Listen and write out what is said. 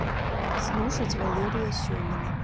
слушать валерия семина